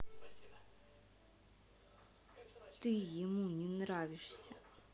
ты ему не нравишься